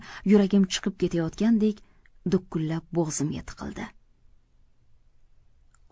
yuragim chiqib ketayotgandek dukullab bo'g'zimga tiqildi